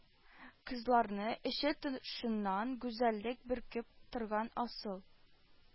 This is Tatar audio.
Кызларны, эче-тышыннан гүзәллек бөркеп торган асыл